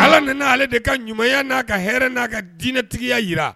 ala ni ale de ka ɲumanya n' aa ka h n'a ka diinɛtigiya jira